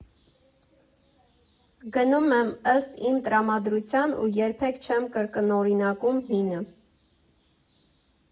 Գնում եմ ըստ իմ տրամադրության ու երբեք չեմ կրկնօրինակում հինը։